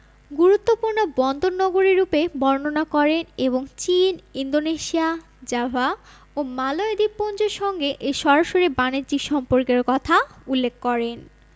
গুরুত্বপূর্ণ বন্দর নগরী রূপে বর্ণনা করেন এবং চীন ইন্দোনেশিয়া জাভা ও মালয় দ্বীপপুঞ্জের সঙ্গে এর সরাসরি বাণিজ্যিক সম্পর্কের কথা উল্লেখ করেন